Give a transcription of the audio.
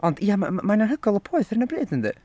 Ond ia ma' mae'n anhygoel o poeth ar hyn o bryd yndi?